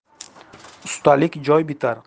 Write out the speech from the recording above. ustalik joy bitar